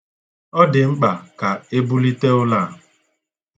Ọ dị mkpa ka ebulite ụlọ a.